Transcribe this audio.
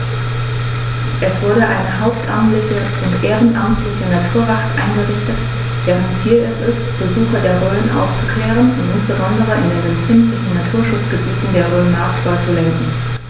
Es wurde eine hauptamtliche und ehrenamtliche Naturwacht eingerichtet, deren Ziel es ist, Besucher der Rhön aufzuklären und insbesondere in den empfindlichen Naturschutzgebieten der Rhön maßvoll zu lenken.